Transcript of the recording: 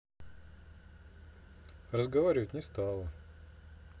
разговаривать не стало